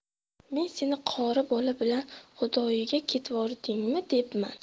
men seni qori bola bilan xudoyiga ketvordingmi debman